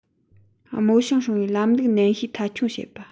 རྨོ ཞིང སྲུང བའི ལམ ལུགས ནན ཤོས མཐའ འཁྱོངས བྱེད པ